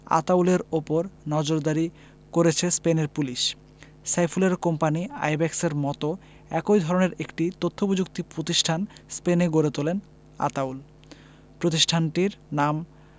আতাউলের ওপর নজরদারি করেছে স্পেনের পুলিশ সাইফুলের কোম্পানি আইব্যাকসের মতো একই ধরনের একটি তথ্যপ্রযুক্তি প্রতিষ্ঠান স্পেনে গড়ে তোলেন আতাউল প্রতিষ্ঠানটির নাম